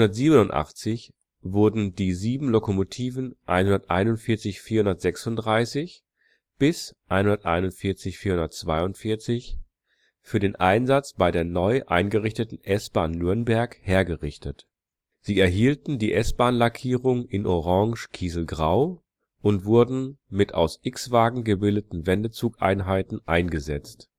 1987 wurden die sieben Lokomotiven 141 436 bis 141 442 für den Einsatz bei der neu eingerichteten S-Bahn Nürnberg hergerichtet. Sie erhielten die S-Bahn-Lackierung in orange/kieselgrau und wurden mit aus x-Wagen gebildeten Wendezugeinheiten eingesetzt